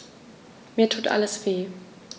Mir tut alles weh.